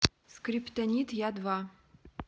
скриптонит я два